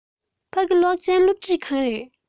ཕ གི གློག ཅན སློབ ཁྲིད ཁང ཆེན ཡིན